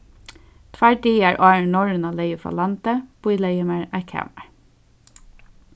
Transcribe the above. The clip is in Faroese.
tveir dagar áðrenn norrøna legði frá landi bílegði eg mær eitt kamar